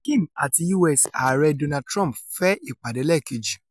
Kim àti U.S. Ààrẹ Donald Trump fẹ́ ìpàdé ẹlẹ́ẹ̀kejì.